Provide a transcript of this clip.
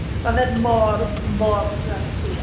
Mae fe'n mor, mor flirty.